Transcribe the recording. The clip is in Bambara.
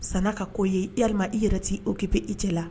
San ka k koo ye elima i yɛrɛ' oo k'pi i cɛ la